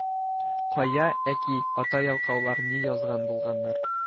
Кая, әки, ата ялкаулар ни язган булганнар